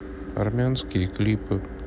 армянские клипы